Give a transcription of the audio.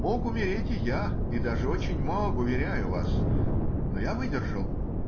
Мог умереть и я, и даже очень мог, уверяю вас. Но я выдержал.